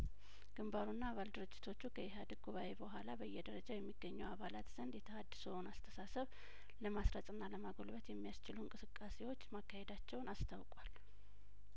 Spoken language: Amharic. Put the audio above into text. ግንባሩና አባል ድርጅቶቹ ከኢህአዴግ ጉባኤ በኋላ በየደረጃው የሚገኙ አባላት ዘንድ የተሀድሶውን አስተሳሰብ ለማስረጽና ለማጐልበት የሚያስችሉ እንቅስቃሴዎች ማካሄዳቸውን አስታውቋል